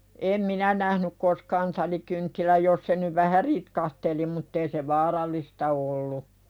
en minä nähnyt koskaan talikynttilää jos se nyt vähän ritkahteli mutta ei se vaarallista ollut